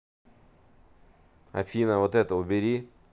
афина вот это убери